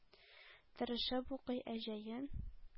Тырышып укый. Ә җәен